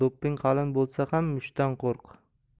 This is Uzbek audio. do'pping qalin bo'lsa ham mushtdan qo'rq